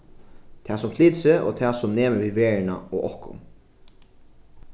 tað sum flytur seg og tað sum nemur við verðina og okkum